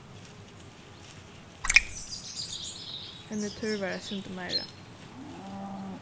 henni tørvar eitt sindur meira